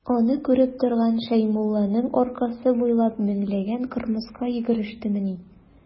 Аны күреп торган Шәймулланың аркасы буйлап меңләгән кырмыска йөгерештемени.